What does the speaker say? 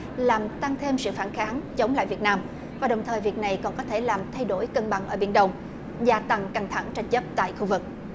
làm tăng thêm sự phản kháng chống lại việt nam và đồng thời việc này còn có thể làm thay đổi cân bằng ở biển đông gia tăng căng thẳng tranh chấp tại khu vực